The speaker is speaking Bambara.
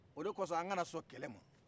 o de kosɔn an ka na sɔn kɛlɛ ma